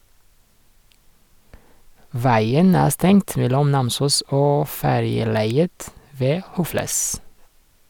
- Veien er stengt mellom Namsos og ferjeleiet ved Hofles.